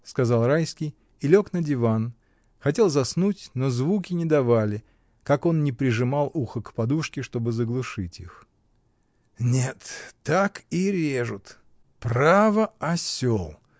— сказал Райский и лег на диван, хотел заснуть, но звуки не давали, как он ни прижимал ухо к подушке, чтоб заглушить их. Нет, так и режут. — Право, осел!